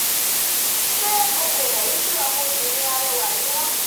Ṣé o kò mọ̀ wípé ọmọbìnrin arẹwà ni ọ́ ?